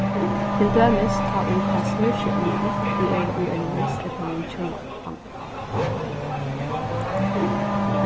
til dømis tá ið tað snýr seg um fólk ið eru í einum miseydnaðum hjúnabandi